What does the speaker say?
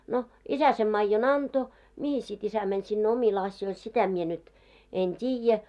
no isä sen maidon antoi mihin sitten isä meni sinne omille asioille sitä minä nyt en tiedä